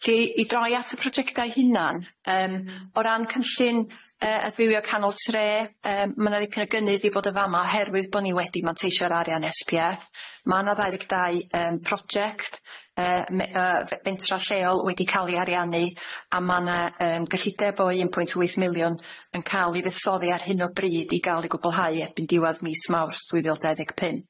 Felly i droi at y projecta'i hunan yym o ran cynllun yy adfywio canol tre yym ma' 'na ddipyn o gynnydd 'di bod yn fama oherwydd bo' ni 'di manteishio'r arian Ess Pee Eff ma' 'na ddau ddeg dau yym project yy me- yy fe- fentra lleol wedi ca'l 'i ariannu a ma' 'na yym gyllideb o un pwynt wyth miliwn yn ca'l 'i fuddsoddi ar hyn o bryd i ga'l i gwblhau erbyn diwadd mis Mawrth dwy fil dau ddeg pump.